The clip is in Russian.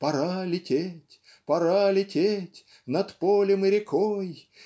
"Пора лететь, пора лететь Над полем и рекой.